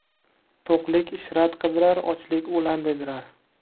to'qlik ishrat qidirar ochlik o'lan dedirar